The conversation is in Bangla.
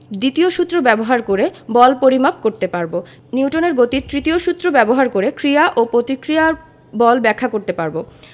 দ্বিতীয় সূত্র ব্যবহার করে বল পরিমাপ করতে পারব নিউটনের গতির তৃতীয় সূত্র ব্যবহার করে ক্রিয়া ও প্রতিক্রিয়া বল ব্যাখ্যা করতে পারব